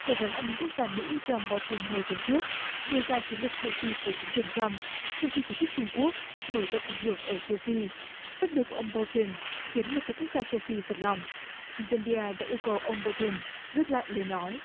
cố vấn an ninh quốc gia mỹ don bo từn hồi tuần trước đưa ra chiến lược châu phi của chính quyền trăm trong khi chỉ trích trung quốc mở rộng ảnh hưởng ở châu phi phát biểu của ông bâu từn khiến một số quốc gia châu phi phật lòng dem bi ai đã yêu cầu ông bâu từn rút lại lời nói